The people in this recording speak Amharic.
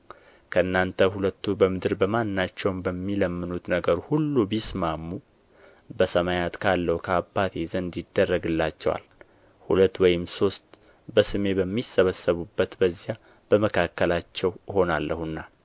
ከእናንተ ሁለቱ በምድር በማናቸውም በሚለምኑት ነገር ሁሉ ቢስማሙ በሰማያት ካለው ከአባቴ ዘንድ ይደረግላቸዋል ሁለት ወይም ሦስት በስሜ በሚሰበሰቡበት በዚያ በመካከላቸው እሆናለሁና